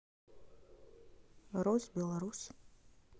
рось беларусь